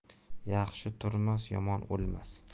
yaxshi turmas yomon o'lmas